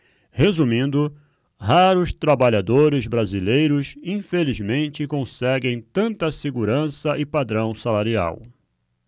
resumindo raros trabalhadores brasileiros infelizmente conseguem tanta segurança e padrão salarial